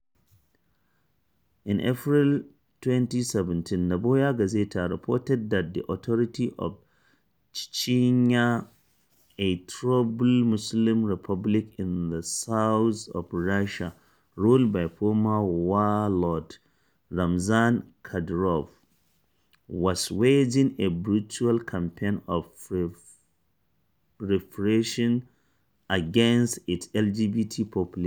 In April 2017, Novaya Gazeta reported that the authorities of Chechnya, a troubled Muslim republic in the south of Russia ruled by a former warlord Ramzan Kadyrov, was waging a brutal campaign of repressions against its LGBT population.